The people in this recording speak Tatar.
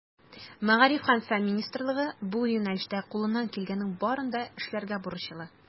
Мәгариф һәм фән министрлыгы бу юнәлештә кулыннан килгәннең барын да эшләргә бурычлы.